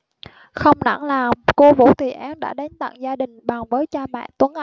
không nản lòng cô vũ thị én đã đến tận gia đình bàn với cha mẹ tuấn